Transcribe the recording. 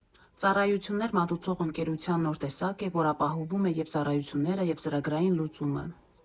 Ծառայություններ մատուցող ընկերության նոր տեսակ է, որ ապահովում է և ծառայությունները և ծրագրային լուծումը։